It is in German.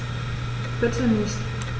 Bitte nicht.